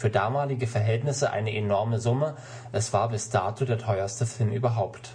damalige Verhältnisse eine enorme Summe, es war bis dato der teuerste Film überhaupt